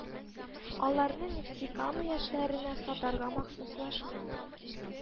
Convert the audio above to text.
Аларны нефтекама яшьләренә сатарга махсуслашкан